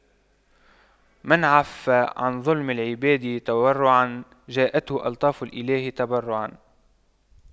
من عَفَّ عن ظلم العباد تورعا جاءته ألطاف الإله تبرعا